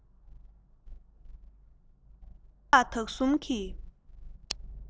སུམ རྟགས དག གསུམ གྱི